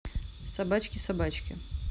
собачки собачки